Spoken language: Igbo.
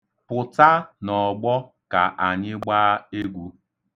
Pụta n'ọgbọ ka anyị gbaa egwu.